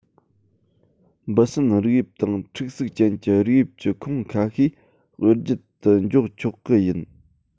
འབུ སྲིན རིགས དབྱིབས དང མཁྲིག སུག ཅན གྱི རིགས དབྱིབས ཀྱི ཁོངས ཁ ཤས དཔེར བརྗོད དུ འཇོག ཆོག གི ཡིན